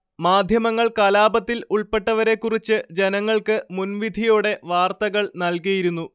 മാധ്യമങ്ങൾ കലാപത്തിൽ ഉൾപ്പെട്ടവരെക്കുറിച്ച് ജനങ്ങൾക്ക് മുൻവിധിയോടെ വാർത്തകൾ നൽകിയിരുന്നു